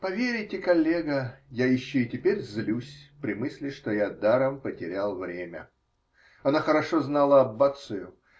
Поверите, коллега, я еще и теперь злюсь при мысли, что я даром потерял время. Она хорошо знала Аббацию.